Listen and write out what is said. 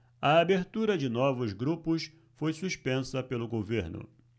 a abertura de novos grupos foi suspensa pelo governo